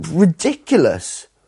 ridiculous.